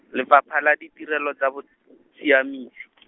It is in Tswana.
Lefapha la Ditirelo tsa Bosiamisi.